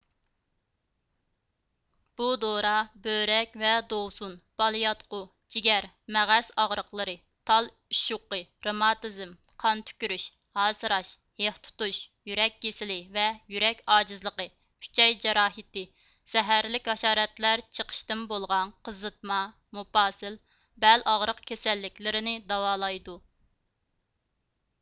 بۇ دورا بۆرەك ۋە دوۋسۇن بالىياتقۇ جىگەر مەغەس ئاغرىقلىرى تال ئىششۇقى رىماتىزىم قان تۈكۈرۈش ھاسىراش ھېق تۇتۇش يۈرەك كېسىلى ۋە يۈرەك ئاجىزلىقى ئۈچەي جاراھىتى زەھەرلىك ھاشارەتلەر چىقىشتىن بولغان قىزىتما مۇپاسىل بەل ئاغرىق كېسەللىكلىرىنى داۋالايدۇ